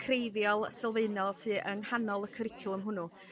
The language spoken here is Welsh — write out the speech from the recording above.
creiddiol sylfaenol su' yng nghanol y cwricwlwm hwnnw.